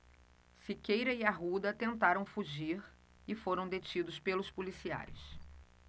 siqueira e arruda tentaram fugir e foram detidos pelos policiais